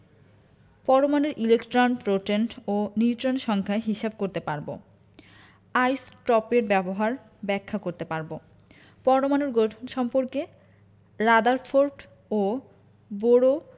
পরমাণুর electron proton ও neutron সংখ্যা হিসাব করতে পারব আইসটোপের ব্যবহার ব্যাখ্যা করতে পারব পরমাণুর গঠন সম্পর্কে রাদারফোর্ড ও বোর